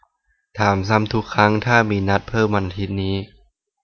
ถามซ้ำทุกครั้งถ้ามีนัดเพิ่มวันอาทิตย์นี้